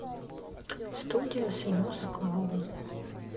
студия союз с клавой